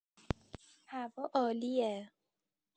هوا عالیه!